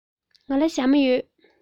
ང ལ ཞྭ མོ ཡོད